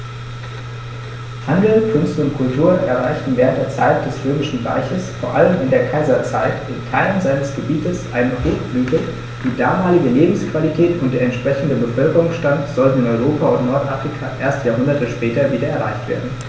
Handel, Künste und Kultur erreichten während der Zeit des Römischen Reiches, vor allem in der Kaiserzeit, in Teilen seines Gebietes eine Hochblüte, die damalige Lebensqualität und der entsprechende Bevölkerungsstand sollten in Europa und Nordafrika erst Jahrhunderte später wieder erreicht werden.